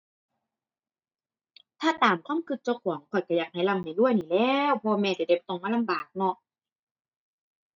ถ้าตามความคิดเจ้าของข้อยคิดอยากให้ร่ำให้รวยนี่แหล้ว พ่อแม่จะได้บ่ต้องมาลำบากเนาะ